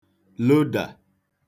lodà